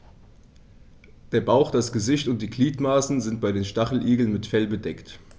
Der Bauch, das Gesicht und die Gliedmaßen sind bei den Stacheligeln mit Fell bedeckt.